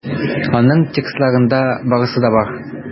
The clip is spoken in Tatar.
Аның текстларында барысы да бар.